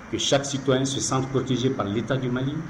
U sakisi toye si sanptee pali taji mali